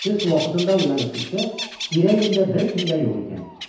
Төш вакытында уянып китсә, тирә-юньдә беркем дә юк икән.